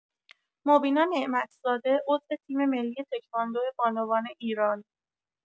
«مبینا نعمت‌زاده» عضو تیم‌ملی تکواندو بانوان ایران